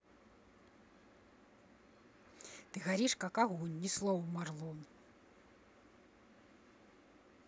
ты горишь как огонь ни слова марлон